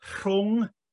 rhwng